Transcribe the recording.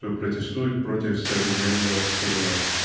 что протестует против современного строя.